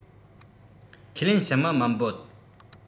ཁས ལེན ཕྱི མི མི འབོད